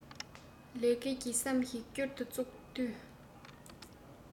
ལས སྐལ གྱི བསམ གཞིགས བསྐྱར དུ བཙུགས དུས